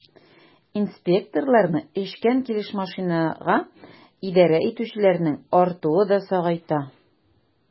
Инспекторларны эчкән килеш машинага идарә итүчеләрнең артуы да сагайта.